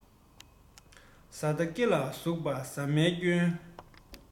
ས མདའ སྐེ ལ ཟུག པ ཟ མའི སྐྱོན